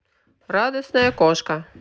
радостная кошка